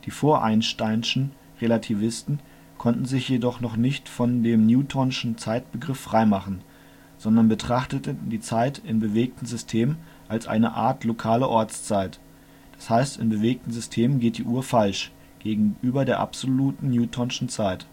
vor-einsteinschen " Relativisten konnten sich jedoch noch nicht von dem newtonschen Zeitbegriff freimachen, sondern betrachteten die Zeit in bewegten Systemen als eine Art " lokale Ortszeit ", das heißt in bewegten Systemen geht die Uhr " falsch " gegenüber der absoluten newtonschen Zeit